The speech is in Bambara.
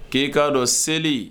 Ki ka dɔn seli